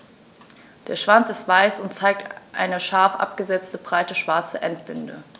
Der Schwanz ist weiß und zeigt eine scharf abgesetzte, breite schwarze Endbinde.